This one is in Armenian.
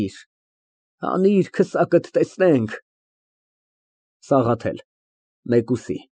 Հանիր քսակդ, տեսնենք։ ՍԱՂԱԹԵԼ ֊ (Մեկուսի)